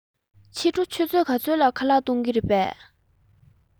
ཕྱི དྲོ ཆུ ཚོད ག ཚོད ལ ཁ ལག གཏོང གི རེད པས